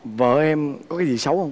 vợ em có cái gì xấu hông